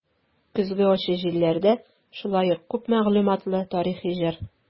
"көзге ачы җилләрдә" шулай ук күп мәгълүматлы тарихи җыр.